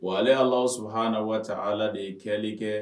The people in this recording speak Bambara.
Wa ale' sɔrɔ h na waati ala de ye kɛli kɛ